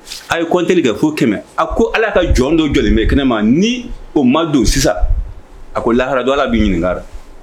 A ye kɔn terikɛlikɛ fo kɛmɛ a ko ala ka jɔn dɔ jɔ bɛ kɛnɛ ma ni o ma don sisan a ko lahara dɔ ala bɛ ɲininkara